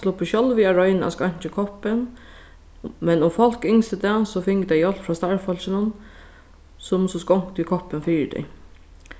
sluppu sjálv at royna at skeinkja í koppin men um fólk ynsktu tað so fingu tey hjálp frá starvsfólkinum sum so skonkti í koppin fyri tey